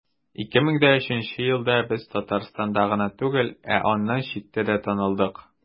2003 елда без татарстанда гына түгел, ә аннан читтә дә танылдык.